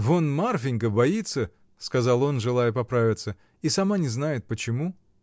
— Вот Марфинька боится, — сказал он, желая поправиться, — и сама не знает почему.